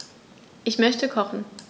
Ich möchte kochen.